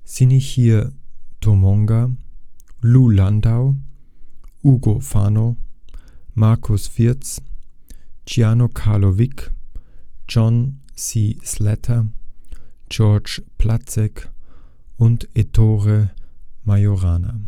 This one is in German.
Shinichirō Tomonaga, Lew Landau, Ugo Fano, Markus Fierz, Gian-Carlo Wick, John C. Slater, George Placzek und Ettore Majorana